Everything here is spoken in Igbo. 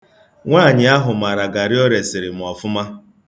Nwaanyị ahụ mara garị o resiri m ọfụma.